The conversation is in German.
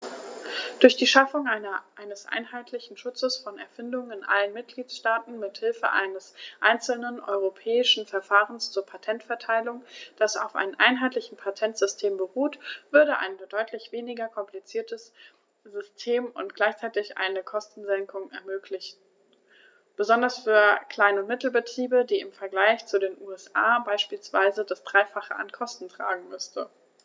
Durch die Schaffung eines einheitlichen Schutzes von Erfindungen in allen Mitgliedstaaten mit Hilfe eines einzelnen europäischen Verfahrens zur Patenterteilung, das auf einem einheitlichen Patentsystem beruht, würde ein deutlich weniger kompliziertes System und gleichzeitig eine Kostensenkung ermöglicht, besonders für Klein- und Mittelbetriebe, die im Vergleich zu den USA beispielsweise das dreifache an Kosten tragen müssen.